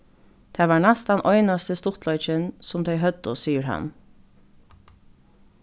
tað var næstan einasti stuttleikin sum tey høvdu sigur hann